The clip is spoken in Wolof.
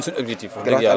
romb nañu suñu objectif